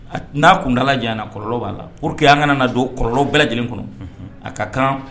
A n'a kuntaala jaɲana kɔlɔlɔ b'a la pourque an' ŋana na don o kɔlɔlɔw bɛɛ lajɛlen kɔnɔ unhun a ka kaan